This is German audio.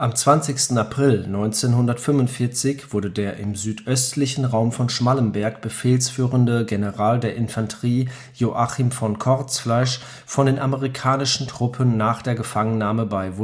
20. April 1945 wurde der im südöstlichen Raum von Schmallenberg befehlsführende General der Infanterie Joachim von Kortzfleisch von den amerikanischen Truppen nach der Gefangennahme bei